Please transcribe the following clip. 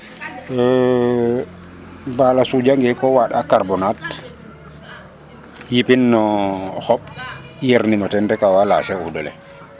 mbaala suƴa ge ko waanda carbonate yipin no xoɓ yer nino ten rek awa lancer o fudole